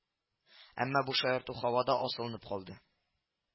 Әмма бу шаярту һавада асылынып калды